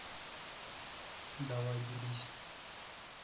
давай делись